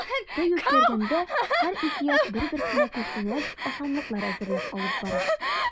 Туй үткәргәндә һәр ике як бер-берсенә күчтәнәч-ашамлыклар әзерләп алып бара.